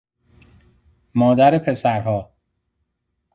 مادر پسرها